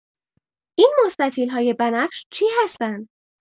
این مستطیل‌های بنفش چی هستند؟